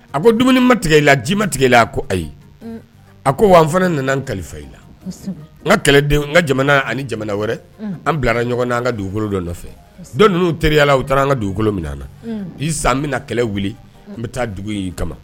A ko dumuni ma tigɛ ela ji ma tigɛla a ko ayi a ko wa an fana nana an kalifa i la n n ka jamana ani jamana wɛrɛ an bilara ɲɔgɔn na an ka dugukolo dɔ nɔfɛ don ninnu teriyala u taara an ka dugukolo min na san bɛna kɛlɛ wuli n bɛ taa dugu kama